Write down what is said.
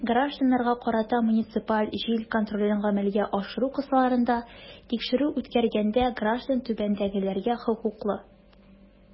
Гражданнарга карата муниципаль җир контролен гамәлгә ашыру кысаларында тикшерү үткәргәндә граждан түбәндәгеләргә хокуклы.